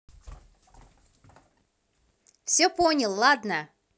все понял ладно